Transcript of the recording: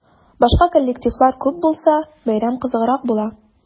Башка коллективлар күп булса, бәйрәм кызыграк була.